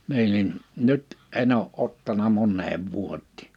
niin niin nyt en ole ottanut moneen vuoteen